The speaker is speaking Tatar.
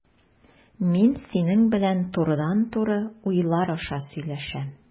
Мин синең белән турыдан-туры уйлар аша сөйләшәм.